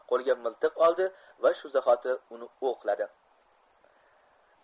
qo'liga miltiq oldi va shu zahoti uni o'qladi